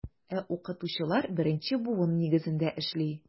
Ә укытучылар беренче буын нигезендә эшли.